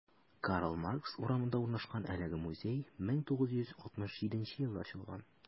Карл Маркс урамында урнашкан әлеге музей 1967 елда ачылган.